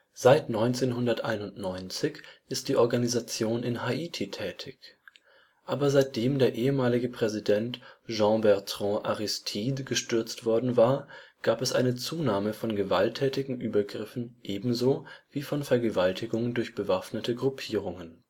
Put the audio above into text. Seit 1991 ist die Organisation in Haiti tätig. Aber seitdem der ehemalige Präsident Jean-Bertrand Aristide gestürzt worden war, gab es eine Zunahme gewalttätiger Übergriffe ebenso wie von Vergewaltigungen durch bewaffnete Gruppierungen